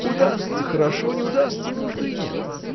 удастся – хорошо, не удастся – нужды нет!